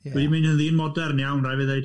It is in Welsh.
Dwi'n mynd yn ddyn modern iawn, rhaid fi ddweud.